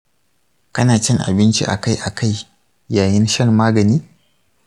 kana cin abinci akai-akai yayin shan magani?